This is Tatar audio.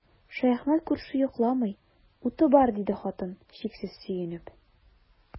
Шәяхмәт күрше йокламый, уты бар, диде хатын, чиксез сөенеп.